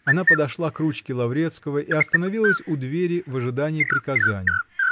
Она подошла к ручке Лаврецкого и остановилась у двери в ожидании приказаний.